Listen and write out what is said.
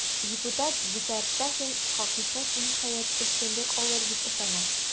Депутат Зөфәр Сафин, хакыйкать, ниһаять, өстенлек алыр, дип ышана.